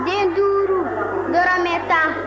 den duuru dɔrɔmɛ tan